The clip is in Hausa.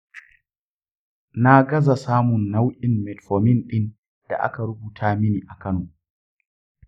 na gaza samun nau'in metformin ɗin da aka rubuta mini a kano.